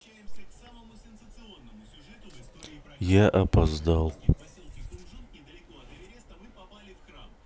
я опоздал